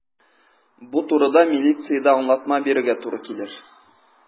Бу турыда милициядә аңлатма бирергә туры килер.